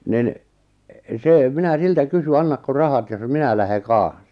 niin se minä siltä kysyin annatko rahat jos minä lähden kanssa